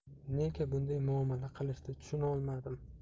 nega bunday muomala qilishdi tushunolmadim